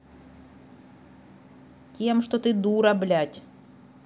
тем что ты дура блять